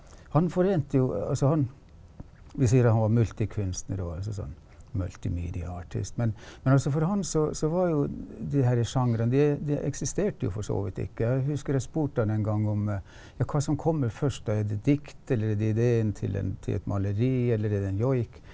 han forente jo altså han vi sier han var multikunstner og altså sånn multimedia artist, men men altså for han så så var jo de her sjangrene de de eksisterte jo for så vidt ikke og jeg husker jeg spurte ham en gang om ja hva som kommer først da er det dikt eller er det ideen til et maleri eller er det en joik?